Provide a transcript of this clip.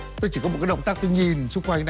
tôi chỉ có một cái động tác tôi nhìn xung quanh